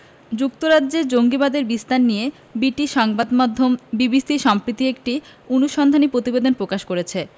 যুক্তরাজ্যে জঙ্গিবাদের বিস্তার নিয়ে বিটিশ সংবাদমাধ্যম বিবিসি সম্প্রতি একটি অনুসন্ধানী পতিবেদন পকাশ করেছে